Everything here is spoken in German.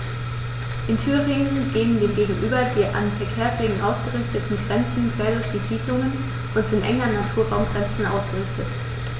In Thüringen gehen dem gegenüber die an Verkehrswegen ausgerichteten Grenzen quer durch Siedlungen und sind eng an Naturraumgrenzen ausgerichtet.